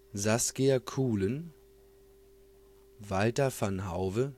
Saskia Coolen Walter van Hauwe